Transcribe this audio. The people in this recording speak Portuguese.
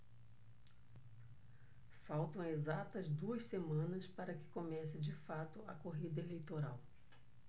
faltam exatas duas semanas para que comece de fato a corrida eleitoral